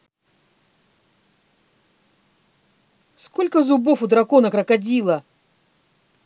сколько зубов у дракона крокодила